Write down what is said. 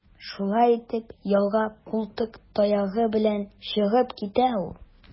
Шулай итеп, ялга култык таягы белән чыгып китә ул.